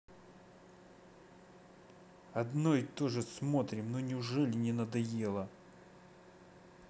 одно и тоже смотрим ну неужели не надоело